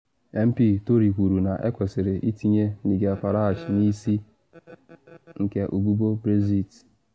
MP Tory kwuru na ekwesịrị itinye NIGEL FARAGE n’isi nke ụbụbọ Brexit